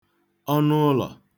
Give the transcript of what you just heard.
ọnụ ụlọ̀